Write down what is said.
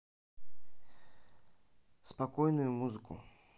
спокойную музыку